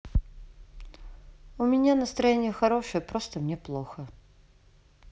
у меня настроение хорошее просто мне плохо